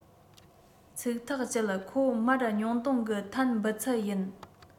ཚིག ཐག བཅད ཁོ མར ཉུང གཏོང གི ཐཱན འབུད ཚད ཡིན